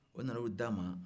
o nan'o d'a ma